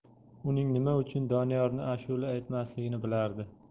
uning nima uchun doniyorni ashula aytmasligini bilardi